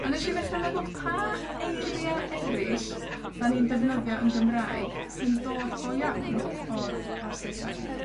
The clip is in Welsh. A nesh i ddechra meddwl pa eiria' eryll 'dan ni'n defnyddio yn Gymraeg, sy'n dod go iawn o'r, o'r Saesneg?